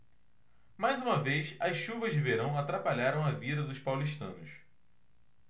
mais uma vez as chuvas de verão atrapalharam a vida dos paulistanos